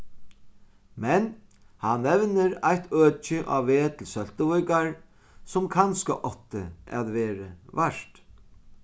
men hann nevnir eitt øki á veg til søltuvíkar sum kanska átti at verið vart